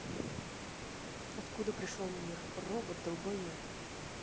откуда пришел мир робот долбоеб